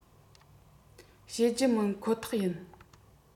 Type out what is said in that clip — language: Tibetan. བྱེད ཀྱི མིན ཁོ ཐག ཡིན